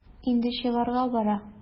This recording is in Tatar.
Инде чыгарга бара.